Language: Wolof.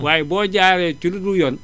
waaye boo jaaree ci lu dul yoon